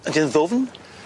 Ydi o'n ddwfn?